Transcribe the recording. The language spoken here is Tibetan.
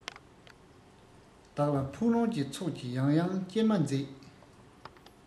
བདག ལ ཕུག རོན གྱི ཚོགས ཀྱིས ཡང ཡང སྐྱེལ མ མཛད